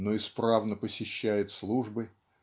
но исправно посещает службы